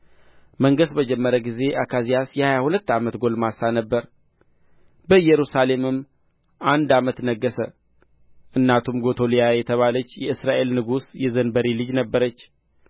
መንገሥ በጀመረ ጊዜ አካዝያስ የሀያ ሁለት ዓመት ጕልማሳ ነበረ በኢየሩሳሌምም አንድ ዓመት ነገሠ እናቱም ጎቶልያ የተባለች የእስራኤል ንጉሥ የዘንበሪ ልጅ ነበረች